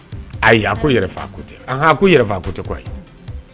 Ayi a ko yɛrɛ ko tɛ ko yɛrɛ ko tɛ kɔ ye